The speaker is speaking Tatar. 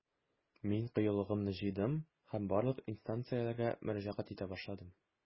Мин кыюлыгымны җыйдым һәм барлык инстанцияләргә мөрәҗәгать итә башладым.